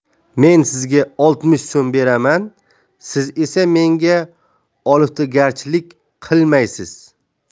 men sizga oltmish so'm beraman siz esa menga oliftagarchilik qilmaysiz